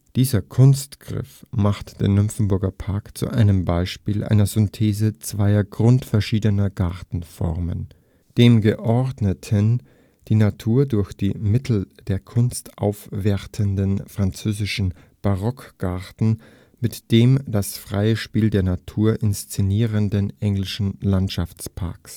Dieser Kunstgriff macht den Nymphenburger Park zu einem Beispiel einer Synthese zweier grundverschiedener Gartenformen: dem geordneten, die Natur durch die Mittel der Kunst aufwertenden französischen Barockgarten mit dem das freie Spiel der Natur inszenierenden englischen Landschaftspark